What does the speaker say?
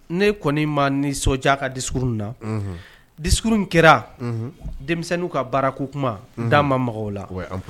Ne kɔni ma nisɔndiy'a ka discours in na unhun discours nin kɛra unhun denmisɛnniw ka baara ko kuma da ma mag'o la ouai en f